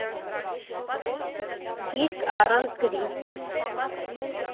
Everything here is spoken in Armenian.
Գիրք՝ առանց գրի։